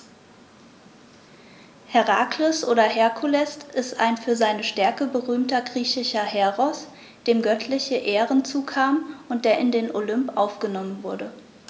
Herakles oder Herkules ist ein für seine Stärke berühmter griechischer Heros, dem göttliche Ehren zukamen und der in den Olymp aufgenommen wurde.